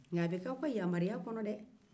a bɛ kɛ aw ka yamaruya kɔnɔ dɛɛ